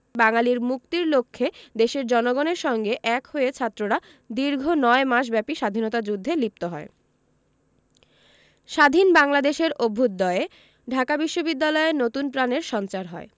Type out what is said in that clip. বাঙালির মুক্তির লক্ষ্যে দেশের জনগণের সঙ্গে এক হয়ে ছাত্ররা দীর্ঘ নয় মাসব্যাপী স্বাধীনতা যুদ্ধে লিপ্ত হয় স্বাধীন বাংলাদেশের অভ্যুদয়ে ঢাকা বিশ্ববিদ্যালয়ে নতুন প্রাণের সঞ্চার হয়